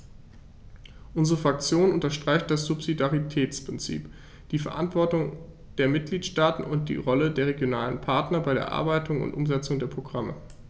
Unsere Fraktion unterstreicht das Subsidiaritätsprinzip, die Verantwortung der Mitgliedstaaten und die Rolle der regionalen Partner bei der Erarbeitung und Umsetzung der Programme.